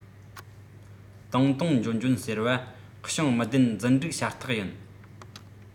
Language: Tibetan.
བཏང བཏང འཇོན འཇོན ཟེར བ བྱིངས མི བདེན རྫུན སྒྲིག ཤ སྟག ཡིན